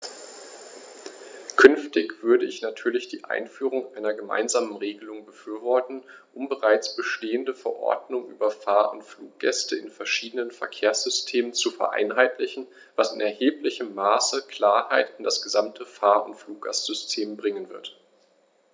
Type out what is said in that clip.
Künftig würde ich natürlich die Einführung einer gemeinsamen Regelung befürworten, um bereits bestehende Verordnungen über Fahr- oder Fluggäste in verschiedenen Verkehrssystemen zu vereinheitlichen, was in erheblichem Maße Klarheit in das gesamte Fahr- oder Fluggastsystem bringen wird.